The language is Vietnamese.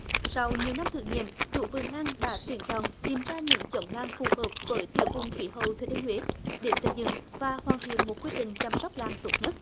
sau nhiều năm thử nghiệm chủ vườn lan đã tuyển chọn tìm ra những giống lan phù hợp với tiểu vùng khí hậu thừa thiên huế để xây dựng và hoàn thiện một quy trình chăm sóc lan tốt nhất